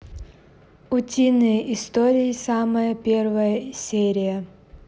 утиные истории самая первая серия